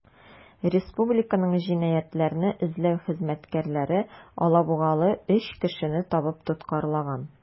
Республиканың җинаятьләрне эзләү хезмәткәрләре алабугалы 3 кешене табып тоткарлаган.